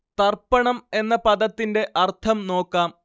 തർപ്പണം എന്ന പദത്തിന്റെ അർത്ഥം നോക്കാം